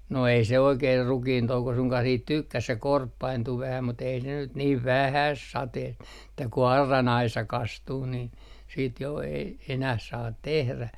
no ei se oikein rukiintouko suinkaan siitä tykkäsi se korppaintui vähän mutta ei ne nyt niin vähästä sateesta että kun auran aisa kastuu niin sitten jo ei enää saa tehdä